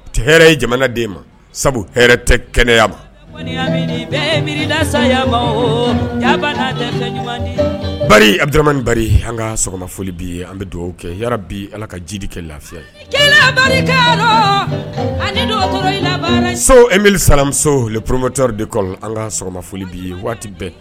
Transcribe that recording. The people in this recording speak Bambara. Hɛrɛ ye jamana den ma sabu hɛrɛ tɛ kɛnɛyaya ma miya an ka sɔgɔmaoli ye an bɛ dugawu kɛ bi ala ka jidi kɛ lafiya ye miri samuso poromotɔ de kɔnɔ an ka sɔgɔmaoli ye waati bɛɛ